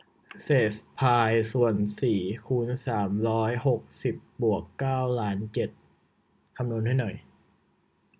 เศษพายส่วนสี่คูณสามร้อยหกสิบบวกเก้าล้านเจ็ด